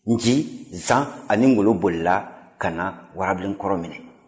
nci zan ani ngɔlɔ bolila ka na warabilenkɔrɔ minɛ